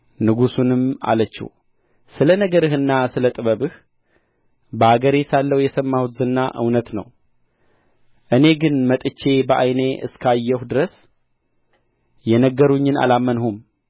ንጉሡንም አለችው ስለ ነገርህና ስለ ጥበብህ በአገሬ ሳለሁ የሰማሁት ዝና እውነት ነው እኔ ግን መጥቼ በዓይኔ እስካየሁ ድረስ የነገሩኝን አላመንሁም